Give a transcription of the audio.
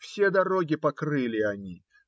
все дороги покрыли они